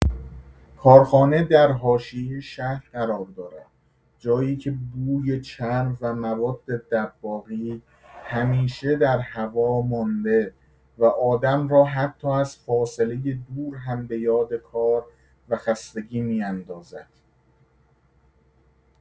کارخانه در حاشیه شهر قرار دارد، جایی که بوی چرم و مواد دباغی همیشه در هوا مانده و آدم را حتی از فاصله دور هم بۀاد کار و خستگی می‌اندازد.